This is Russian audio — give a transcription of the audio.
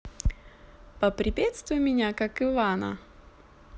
поприветствуй меня как ивана